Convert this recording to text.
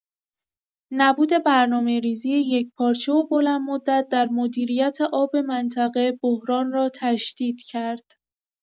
نبود برنامه‌ریزی یکپارچه و بلندمدت در مدیریت آب منطقه، بحران را تشدید کرد.